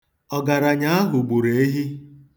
Ọgaranya ahụ gburu ehi.